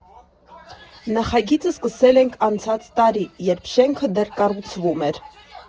«Նախագիծը սկսել ենք անցած տարի, երբ շենքը դեռ կառուցվում էր։